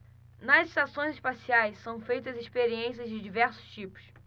nas estações espaciais são feitas experiências de diversos tipos